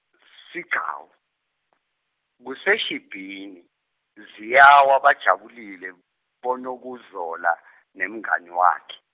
Sigcawu, Kuseshibhini ziyawa bajabulile boNokuzola nemngani wakhe.